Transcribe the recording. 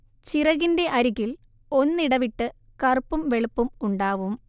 ചിറകിന്റെ അരികിൽ ഒന്നിടവിട്ട് കറുപ്പും വെളുപ്പും ഉണ്ടാവും